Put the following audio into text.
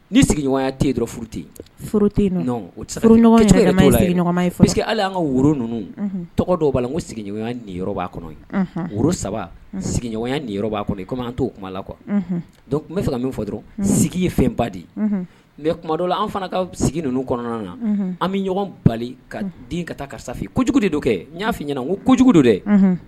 Niɲɔgɔn que hali y an ka woro ninnu tɔgɔ dɔw b'a ko sigiɲɔgɔnya ni kɔnɔ woro sabaɲɔgɔnya ni kɔnɔ kɔmi t' o kumala qu dɔnku tun bɛ fɛ ka min fɔ dɔrɔn sigi ye fɛn ba di mɛ kuma la an fana ka sigi ninnu kɔnɔna na an bɛ ɲɔgɔn bali ka den ka ta karisa jugu de do kɛ n y'a fɔ ɲɛna ko ko jugu don dɛ